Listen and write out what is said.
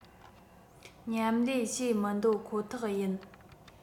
མཉམ ལས བྱེད མི འདོད ཁོ ཐག ཡིན